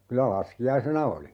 kyllä laskiaisena oli